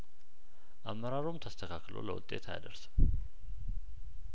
አመራሩም ተስተካክሎ ለውጤት አያደርስም